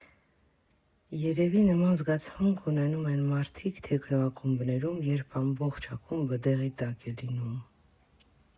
Երևի նման զգացմունք ունենում են մարդիկ թեքնո ակումբներում, երբ ամբողջ ակումբը դեղի տակ է լինում։